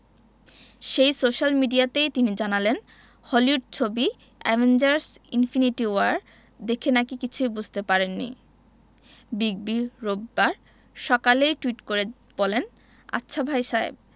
সেই সোশ্যাল মিডিয়াতেই তিনি জানালেন হলিউড ছবি অ্যাভেঞ্জার্স ইনফিনিটি ওয়ার দেখে নাকি কিছুই বুঝতে পারেননি বিগ বি রবিবার সকালেই টুইট করে বলেন আচ্ছা ভাই সাহেব